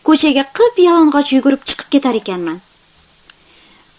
ko'chaga qip yalang'och yugurib chiqib ketar ekanman